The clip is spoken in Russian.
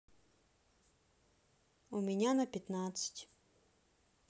у меня на пятнадцать